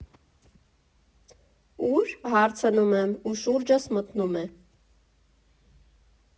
Ո՞ւր՝ հարցնում եմ ու շուրջս մթնում է։